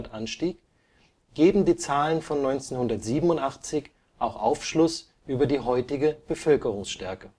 anstieg, geben die Zahlen von 1987 auch Aufschluss über die heutige Bevölkerungsstärke